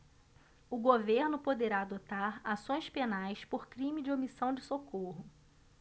o governo poderá adotar ações penais por crime de omissão de socorro